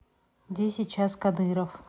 где сейчас кадыров